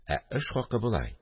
Ә эш хакы болай